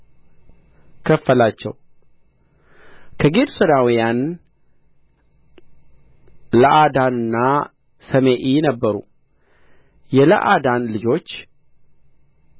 ከፈላቸው ከጌድሶናውያን ለአዳንና ሰሜኢ ነበሩ የለአዳን ልጆች